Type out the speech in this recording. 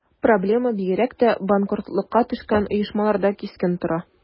Проблема бигрәк тә банкротлыкка төшкән оешмаларда кискен тора.